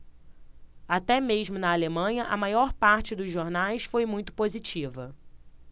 até mesmo na alemanha a maior parte dos jornais foi muito positiva